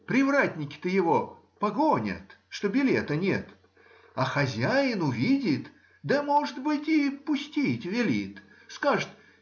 привратники-то его погонят, что билета нет, а хозяин увидит, да, может быть, и пустить велит,— скажет